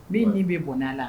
N bɛ n ni bɛ bonya la